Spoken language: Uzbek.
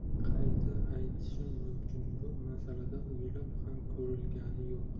qayta aytishim mumkin bu masalada o'ylab ham ko'rilgani yo'q